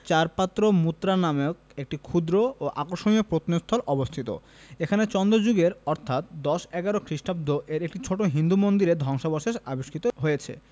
চারপাত্র মুত্রা নামক একটি ক্ষুদ্র ও আকর্ষণীয় প্রত্নস্থল অবস্থিত এখানে চন্দ্র যুগের অর্থাৎ দশ এগারো খ্রিস্টাব্দ এর একটি ছোট হিন্দু মন্দিরের ধ্বংশাবশেষ আবিষ্কৃত হয়েছে